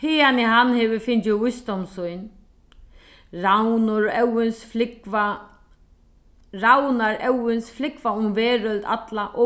haðani hann hevur fingið vísdóm sín ravnur óðins flúgva ravnar óðins flúgva um verøld alla og